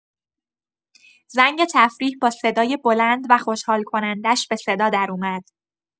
زنگ تفریح با صدای بلند و خوشحال‌کننده‌ش به صدا دراومد.